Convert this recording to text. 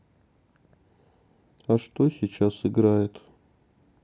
а что сейчас играет